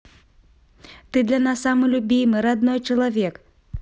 ты для нас самый любимый родной человек